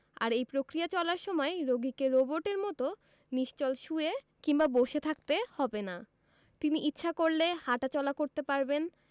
আর এই প্রক্রিয়া চলার সময় রোগীকে রোবটের মতো নিশ্চল শুয়ে কিংবা বসে থাকতে হবে না তিনি ইচ্ছা করলে হাটাচলা করতে পারবেন